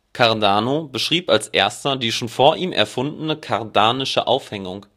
Cardano beschrieb als erster die schon vor ihm erfundene Kardanische Aufhängung